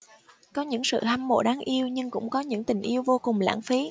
có những sự hâm mộ đáng yêu nhưng cũng có những tình yêu vô cùng lãng phí